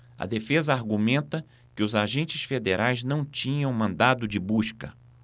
a defesa argumenta que os agentes federais não tinham mandado de busca